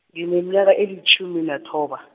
ngineminyaka elitjhumi nathoba.